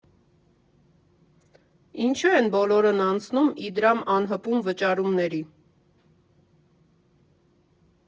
Ինչո՞ւ են բոլորն անցնում Իդրամ անհպում վճարումների։